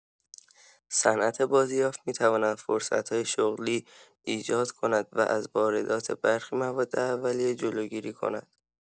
صنعت بازیافت می‌تواند فرصت‌های شغلی ایجاد کند و از واردات برخی مواد اولیه جلوگیری کند.